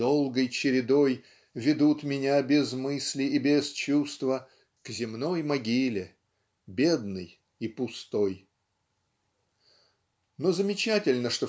долгой чередой Ведут меня без мысли и без чувства К земной могиле бедной и пустой. Но замечательно